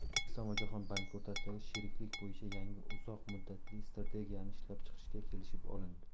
o'zbekiston va jahon banki o'rtasidagi sheriklik bo'yicha yangi uzoq muddatli strategiyani ishlab chiqishga kelishib olindi